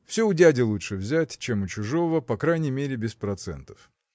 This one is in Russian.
Все у дяди лучше взять, чем у чужого, по крайней мере без процентов.